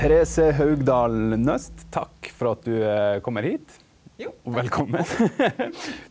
Therese Haugdal Nøst, takk for at du kjem hit og velkommen .